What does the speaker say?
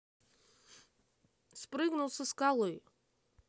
спрыгнул со скалы